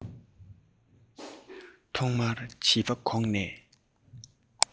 ཐོག མར བྱིས པ གོག ནས